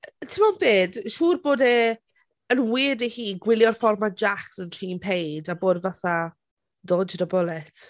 Timod be? Siŵr bod e yn weird i hi gwylio'r ffordd mae Jacques yn trîn Paige a bod fatha, dodged a bullet.